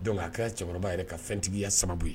Dɔn a kɛra cɛkɔrɔba yɛrɛ ka fɛntigiya sababu ye